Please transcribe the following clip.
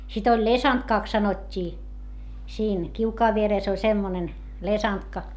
sitten oli lesantkaksi sanottiin siinä kiukaan vieressä oli semmoinen lesantka